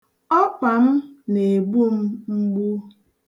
Ọkpa m na-egbu m mgbu.